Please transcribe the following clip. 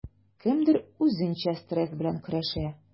Кемдер үзенчә стресс белән көрәшә.